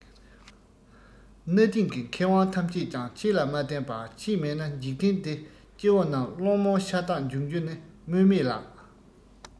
གནའ དེང གི མཁས དབང ཐམས ཅད ཀྱང ཁྱེད ལ མ བསྟེན པར ཁྱེད མེད ན འཇིག རྟེན འདི སྐྱེ བོ རྣམས བློ རྨོངས ཤ སྟག འབྱུང རྒྱུ ནི སྨོས མེད ལགས